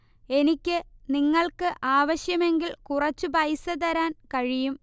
എനിക്ക് നിങ്ങൾക്ക് ആവശ്യമെങ്കിൽ കുറച്ചു പൈസ തരാൻ കഴിയും